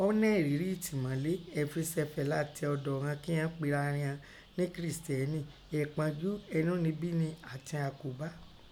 Ọ́ nẹ́ iriri itimole, ẹ̀fisefe latẹ ọ̀dọ̀ ighon ki ghon pe ara rin on nẹ́ kirisiteni, ẹ̀ponju , enunibini, atin akoba